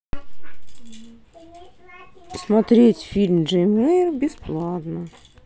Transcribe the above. смотреть фильм джейн эйр бесплатно